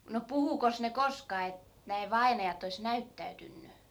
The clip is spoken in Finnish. no puhuikos ne koskaan että nämä vainajat olisi näyttäytynyt